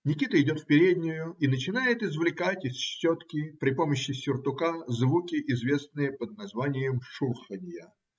Никита идет в переднюю и начинает извлекать из щетки, при помощи сюртука, звуки, известные под названием шурханья.